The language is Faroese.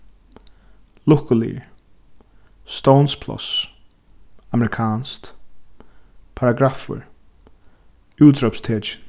lukkuligur stovnspláss amerikanskt paragraffur útrópstekin